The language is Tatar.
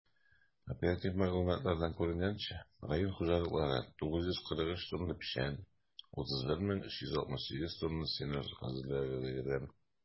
Оператив мәгълүматлардан күренгәнчә, район хуҗалыклары 943 тонна печән, 31368 тонна сенаж хәзерләргә өлгергән.